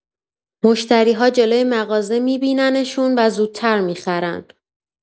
مشتری‌ها جلوی مغازه می‌بیننشون و زودتر می‌خرن.